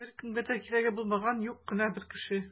Беркемгә дә кирәге булмаган юк кына бер кеше.